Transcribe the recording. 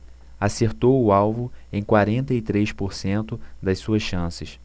acertou o alvo em quarenta e três por cento das suas chances